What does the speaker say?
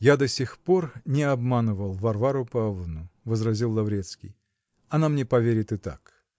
-- Я до сих пор не обманывал Варвару Павловну, -- возразил Лаврецкий, -- она мне поверит и так.